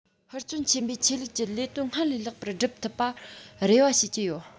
ཧུར བརྩོན ཆེན པོས ཆོས ལུགས ཀྱི ལས དོན སྔར ལས ལེགས པར བསྒྲུབ ཐུབ པར རེ བ བྱེད ཀྱི ཡོད